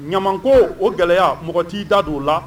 Ɲamaman ko o gɛlɛya mɔgɔ t'i da don o la